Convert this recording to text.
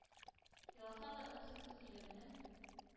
Еласам да үксеп, үз илемнең